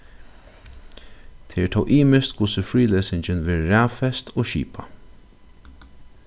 tað er tó ymiskt hvussu frílesingin verður raðfest og skipað